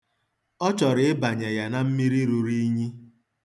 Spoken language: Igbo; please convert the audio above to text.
Ọ chọrọ ịbanye ya na mmiri ruru unyi.